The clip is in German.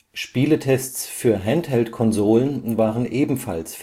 Spieletests für Handheld-Konsolen waren ebenfalls